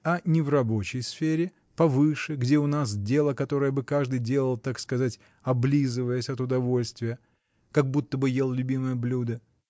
А не в рабочей сфере — повыше, где у нас дело, которое бы каждый делал, так сказать, облизываясь от удовольствия, как будто бы ел любимое блюдо?